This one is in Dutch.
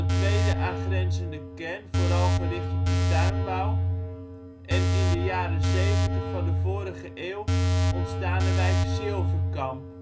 tweede aangrenzende kern vooral gericht op de tuinbouw, en de in de jaren zeventig van de vorige eeuw ontstane wijk Zilverkamp